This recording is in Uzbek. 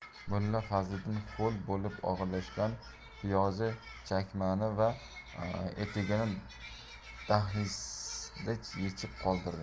mulla fazliddin ho'l bo'lib og'irlashgan piyozi chakmoni va etigini dahlizda yechib qoldirdi